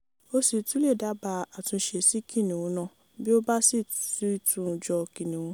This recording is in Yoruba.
O sì tún lè dábàá àtúnṣe sí kìnìún náà – bí ó bá sì ti tún jọ kìnìún.